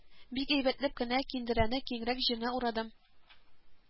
Бик әйбәтләп кенә киндерәне киңрәк җиренә урадым